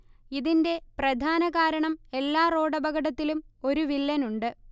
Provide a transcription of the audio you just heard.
ഇതിന്റെ പ്രധാന കാരണം എല്ലാ റോഡപകടത്തിലും ഒരു വില്ലൻ ഉണ്ട്